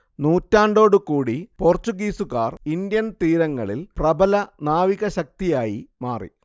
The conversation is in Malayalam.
നൂറ്റാണ്ടോടുകൂടി പോർച്ചുഗീസുകാർ ഇന്ത്യൻതീരങ്ങളിൽ പ്രബല നാവികശക്തിയായി മാറി